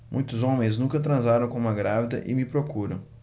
muitos homens nunca transaram com uma grávida e me procuram